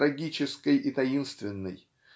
трагической и таинственной